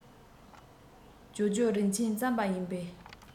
ཇོ ཇོ རིན ཆེན རྩམ པ ཡིན པས